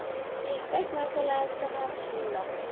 telpak masalasi ham shundoq